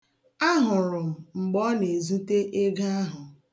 A hụrụ m mgbe ọ na-ezute ego ahụ.